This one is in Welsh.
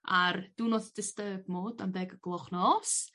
ar do not disturb mode am ddeg y gloch nos.